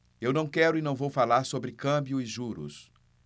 eu não quero e não vou falar sobre câmbio e juros